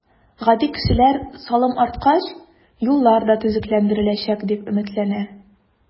Гади кешеләр салым арткач, юллар да төзекләндереләчәк, дип өметләнә.